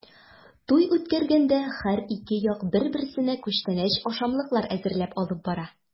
Туй үткәргәндә һәр ике як бер-берсенә күчтәнәч-ашамлыклар әзерләп алып бара.